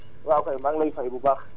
sëñ bi ziar naa la